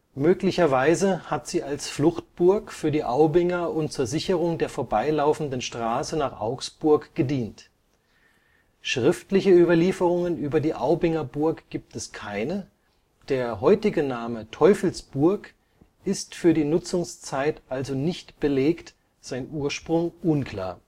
Möglicherweise hat sie als Fluchtburg für die Aubinger und zur Sicherung der vorbei laufenden Straße nach Augsburg gedient. Schriftliche Überlieferungen über die Aubinger Burg gibt es keine, der heutige Name „ Teufelsburg “ist für die Nutzungszeit also nicht belegt, sein Ursprung unklar